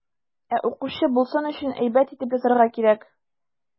Ә укучы булсын өчен, әйбәт итеп язарга кирәк.